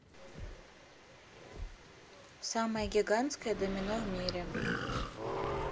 самое гигантское домино в мире